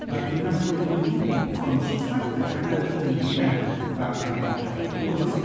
và tiềm năng của dân chúng một phần xuất phát từ khả năng từ diễn đạt và bày tỏ các ý kiến mới